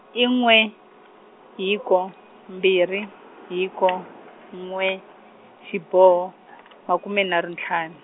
i n'we, hiko, mbirhi, hiko, n'we, xiboho , makume nharhu ntlhan-.